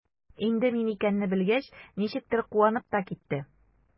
Инде мин икәнне белгәч, ничектер куанып та китте.